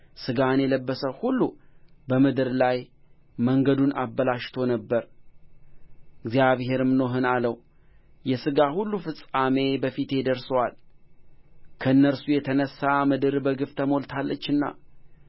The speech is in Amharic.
ሴምን ካምን ያፌትንም ወለደ ምድርም በእግዚአብሔር ፊት ተበላሸች ምድርም ግፍን ተሞላች እግዚአብሔርም ምድርን አየ እነሆም ተበላሸች